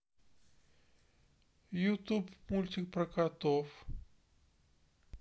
ютуб мультик про котов